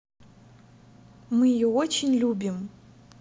мы ее очень любим